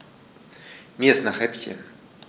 Mir ist nach Häppchen.